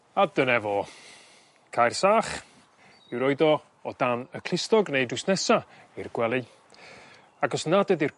A dyne fo cau'r sach i'w roid o o dan y clustog neu drws nesa i'r gwely ac os nad ydi'r